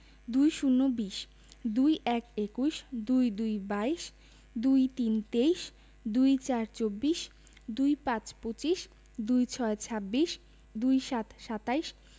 ২০ - বিশ ২১ – একুশ ২২ – বাইশ ২৩ – তেইশ ২৪ – চব্বিশ ২৫ – পঁচিশ ২৬ – ছাব্বিশ ২৭ – সাতাশ